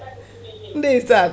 ndeysan